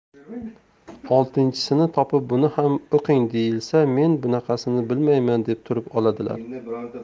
oltinchisini topib buni ham o'qing deyilsa men bunaqasini bilmayman deb turib oladilar